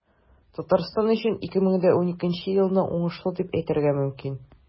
Татарстан өчен 2012 елны уңышлы ел дип әйтергә мөмкин.